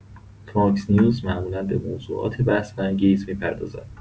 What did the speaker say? فاکس‌نیوز معمولا به موضوعات بحث‌برانگیز می‌پردازد.